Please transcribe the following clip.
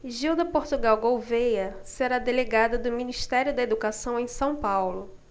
gilda portugal gouvêa será delegada do ministério da educação em são paulo